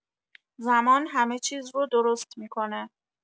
زمان همه چیز رو درست می‌کنه!